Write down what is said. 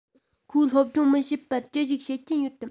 ཁོས སློབ སྦྱོང མི བྱེད པར ཅི ཞིག བྱེད ཀྱིན ཡོད དམ